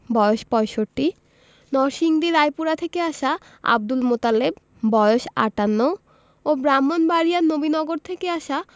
বয়স ৬৫ নরসিংদী রায়পুরা থেকে আসা আবদুল মোতালেব বয়স ৫৮ ও ব্রাহ্মণবাড়িয়ার নবীনগর থেকে আসা